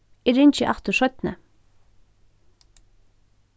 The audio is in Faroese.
eg ringi aftur seinni